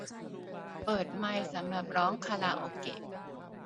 เปิดไมค์สำหรับร้องคาราโอเกะ